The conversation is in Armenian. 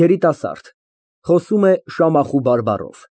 Երիտասարդ։ Խոսում է Շամախու բարբառով։